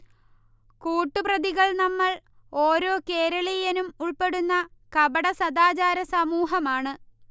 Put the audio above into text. കൂട്ടു പ്രതികൾ നമ്മൾ, ഓരോ കേരളീയനും ഉൾെപ്പടുന്ന കപടസദാചാരസമൂഹമാണ്